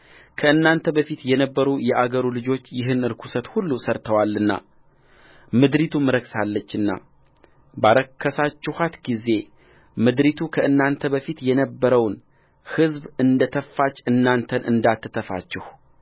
ከእናንተ በፊት የነበሩ የአገሩ ልጆች ይህን ርኵሰት ሁሉ ሠርተዋልና ምድሪቱም ረክሳለችናባረከሳችኋት ጊዜ ምድሪቱ ከእናንተ በፊት የነበረውን ሕዝብ እንደ ተፋች እናንተን እንዳትተፋችሁ